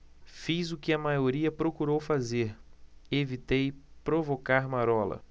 fiz o que a maioria procurou fazer evitei provocar marola